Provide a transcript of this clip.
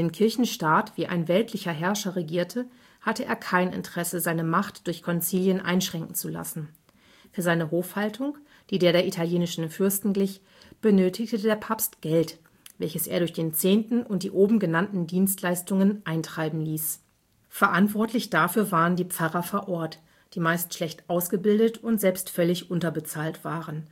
Kirchenstaat wie ein weltlicher Herrscher regierte, hatte er kein Interesse, seine Macht durch Konzilien einschränken zu lassen. Für seine Hofhaltung, die der italienischer Fürsten glich, benötigte der Papst Geld, welches er durch den Zehnten und die oben genannten Dienstleistungen eintreiben ließ. Verantwortlich dafür waren die Pfarrer vor Ort, die meist schlecht ausgebildet und selbst völlig unterbezahlt waren